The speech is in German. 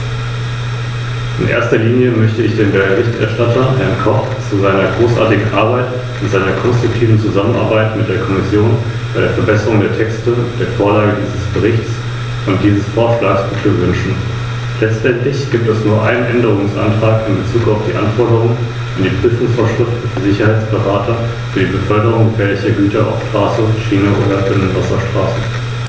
Frau Präsidentin, seit über 20 Jahren sprechen wir nun über die Schaffung eines einheitlichen Patentschutzes auf europäischer Ebene.